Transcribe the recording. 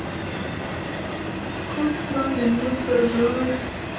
как правильно сажать